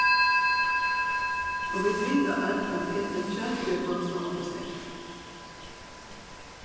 og vit vita øll at vit eta kjøt fyri at blíva stór og sterk